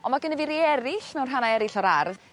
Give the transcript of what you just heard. on' ma' genna fi rei eryll mewn rhanna eryll o'r ardd